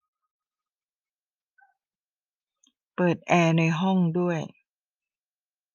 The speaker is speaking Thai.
เปิดแอร์ในห้องด้วย